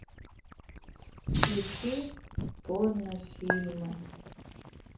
включи порнофильмы